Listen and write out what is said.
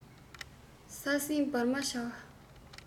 ས སྲིན འབར མ བྱ བ